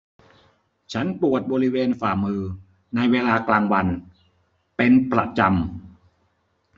ฉันปวดบริเวณฝ่ามือในเวลากลางวันเป็นประจำ